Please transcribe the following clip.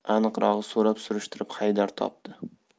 aniqrog'i so'rab surishtirib haydar topdi